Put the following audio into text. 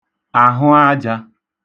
àḣụaj̇ā